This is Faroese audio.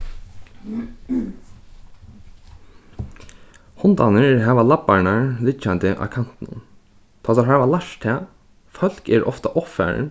hundarnir hava labbarnar liggjandi á kantinum tá teir hava lært tað fólk eru ofta ovfarin